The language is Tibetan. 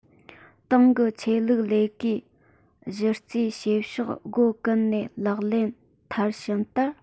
ཏང གི ཆོས ལུགས ལས ཀའི གཞི རྩའི བྱེད ཕྱོགས སྒོ ཀུན ནས ལག ལེན མཐར ཕྱིན བསྟར